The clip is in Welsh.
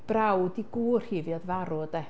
Brawd ei gŵr hi fuodd farw de.